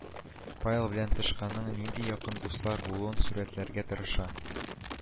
Павел белән Тышканың нинди якын дуслар булуын сурәтләргә тырыша